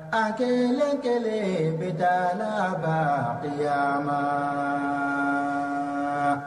A kelen kelen bɛ da laban ya ma